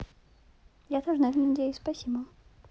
я тоже на это надеюсь спасибо